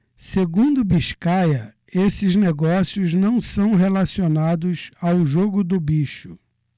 segundo biscaia esses negócios não são relacionados ao jogo do bicho